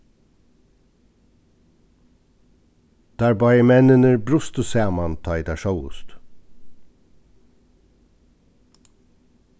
teir báðir menninir brustu saman tá ið teir sóust